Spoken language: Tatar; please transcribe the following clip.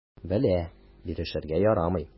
Белә: бирешергә ярамый.